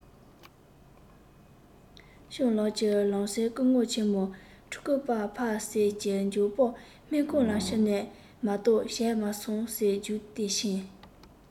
སྤྱང ལགས ཀྱིས ལམ སེང སྐུ ངོ ཆེན མོ ཕྲུ གུས པྰ ཕ ཟེར གྱིས མགྱོགས པོ སྨན ཁང ལ ཕྱིན ན མ གཏོགས བྱས མ སོང ཟེར རྒྱུགས ཏེ ཕྱིན